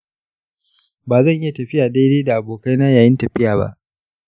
ba zan iya tafiya daidai da abokaina yayin tafiya ba.